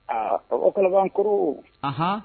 Aa o kɔnɔbanankuru hhɔn